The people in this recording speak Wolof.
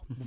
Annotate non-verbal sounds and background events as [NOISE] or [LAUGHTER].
[HESITATION] [HESITATION]